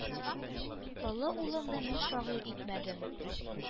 Олы улымны мин шагыйрь итмәдем.